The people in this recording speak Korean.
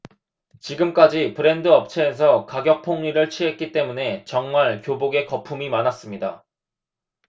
지금까지 브랜드 업체에서 가격폭리를 취했기 때문에 정말 교복에 거품이 많았습니다